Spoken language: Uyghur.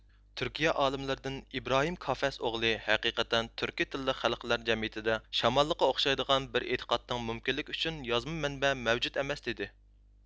تۈركىيە ئالىملىرىدىن ئىبراھىم كافەس ئوغلى ھەقىقەتەن تۈركىي تىللىق خەلقلەر جەمئىيىتىدە شامانلىققا ئوخشايدىغان بىر ئېتىقادنىڭ مۇمكىنلىكى ئۈچۈن يازما مەنبە مەۋجۇت ئەمەس دېدى